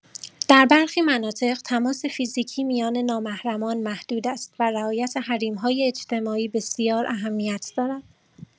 در برخی مناطق تماس فیزیکی میان نامحرمان محدود است و رعایت حریم‌های اجتماعی بسیار اهمیت دارد.